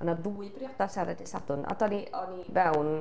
Oedd 'na ddwy briodas ar y dydd Sadwrn a do' ni, o'n i fewn